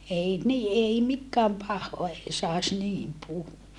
ei niin ei mikään pahaa ei saisi niin puhua